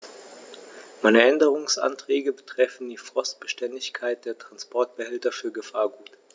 Meine Änderungsanträge betreffen die Frostbeständigkeit der Transportbehälter für Gefahrgut.